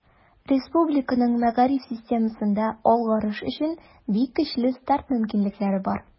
Республиканың мәгариф системасында алгарыш өчен бик көчле старт мөмкинлекләре бар.